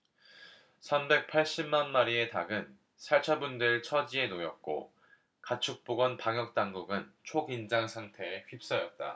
삼백 팔십 만 마리의 닭은 살처분될 처지에 놓였고 가축보건 방역당국은 초긴장 상태에 휩싸였다